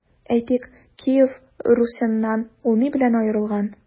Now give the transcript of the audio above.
Әйтик, Киев Русеннан ул ни белән аерылган?